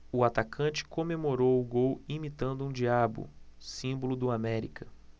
o atacante comemorou o gol imitando um diabo símbolo do américa